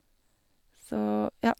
Så, ja.